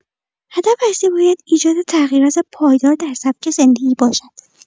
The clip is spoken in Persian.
هدف اصلی باید ایجاد تغییرات پایدار در سبک زندگی باشد.